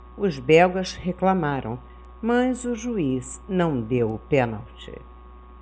os belgas reclamaram mas o juiz não deu o pênalti